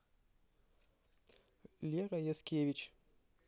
лера яскевич